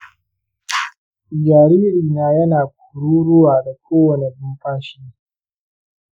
jaririna yana kururuwa da kowane numfashi.